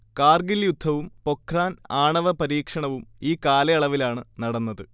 കാർഗിൽ യുദ്ധവും പൊഖ്റാൻ ആണവ പരീക്ഷണവും ഈ കാലയളവിലാണ് നടന്നത്